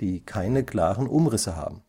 die keine klaren Umrisse haben